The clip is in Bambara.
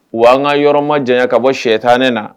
W anan ka yɔrɔ ma diya ka bɔ shɛyɛ tan ne na